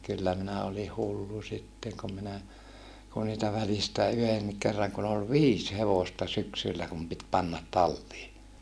kyllä minä olin hullu sitten kun minä kun niitä välistä yhdenkin kerran kun oli viisi hevosta syksyllä kun piti panna talliin